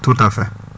tout à fait